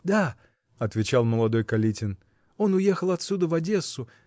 -- Да, -- отвечал молодой Калитин, -- он уехал отсюда в Одессу